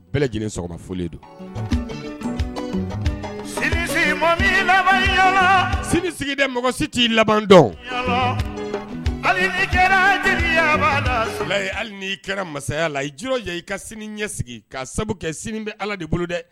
Bɛɛ lajɛlen sɔgɔma don sini sigi sigi dɛ mɔgɔ si t' ii laban dɔn hali kɛra la hali ni i kɛra masaya la i jiri i ka sini ɲɛsigi sigi ka sabu kɛ sini bɛ ala de bolo dɛ